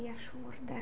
Ia, siŵr, de.